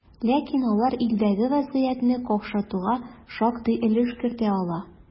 Ләкин алар илдәге вазгыятьне какшатуга шактый өлеш кертә ала.